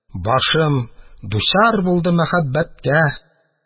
Башым дучар булды мәхәббәткә,